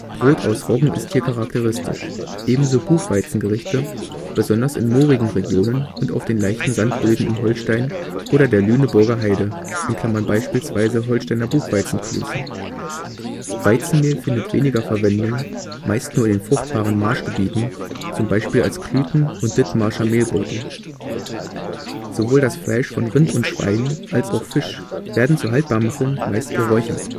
Brot aus Roggen ist hier charakteristisch, ebenso Buchweizengerichte, besonders in moorigen Regionen und auf den leichten Sandböden in Holstein oder der Lüneburger Heide (beispielsweise Holsteiner Buchweizenklöße). Weizenmehl findet weniger Verwendung, meist nur in den fruchtbaren Marschgebieten, zum Beispiel als Klüten und Dithmarscher Mehlbeutel. Sowohl das Fleisch von Rind und Schwein, als auch Fisch, werden zur Haltbarmachung meist geräuchert